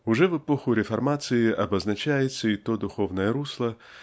Уже в эпоху реформации обозначается и то духовное русло